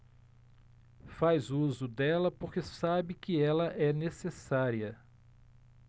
faz uso dela porque sabe que ela é necessária